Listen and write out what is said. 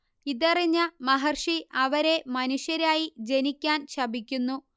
ഇതറിഞ്ഞ മഹർഷി അവരെ മനുഷ്യരായി ജനിക്കാൻ ശപിക്കുന്നു